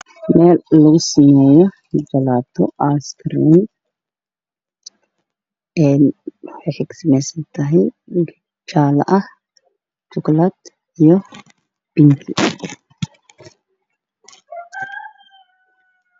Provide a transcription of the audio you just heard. Waa meel loo sameeyo jalaato askariin ah miis ay saaran tahay i muuqato i muuqato